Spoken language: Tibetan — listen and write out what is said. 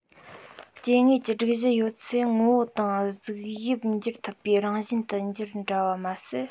སྐྱེ དངོས ཀྱི སྒྲིག གཞི ཡོད ཚད ངོ བོ དང གཟུགས དབྱིབས འགྱུར ཐུབ པའི རང བཞིན དུ འགྱུར འདྲ བ མ ཟད